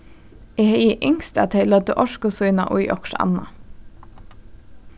eg hevði ynskt at tey løgdu orku sína í okkurt annað